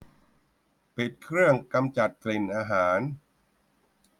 ปิดเครื่องกำจัดกลิ่นอาหาร